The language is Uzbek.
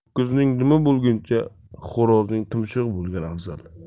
ho'kizning dumi bo'lguncha xo'rozning tumshug'i bo'lgan afzal